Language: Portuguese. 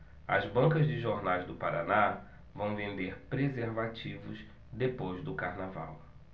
as bancas de jornais do paraná vão vender preservativos depois do carnaval